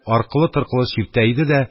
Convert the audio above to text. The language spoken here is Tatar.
Аркылы-торкылы чиртә иде дә